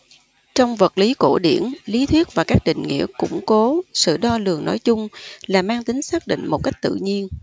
trong vật lý cổ điển lý thuyết và các định nghĩa cũng cố sự đo lường nói chung là mang tính xác định một cách tự nhiên